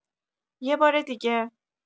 یه باره دیگه